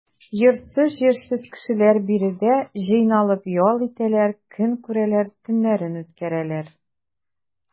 Йортсыз-җирсез кешеләр биредә җыйналып ял итәләр, көн күрәләр, төннәрен үткәрәләр.